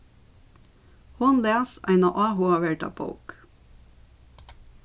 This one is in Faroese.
hon las eina áhugaverda bók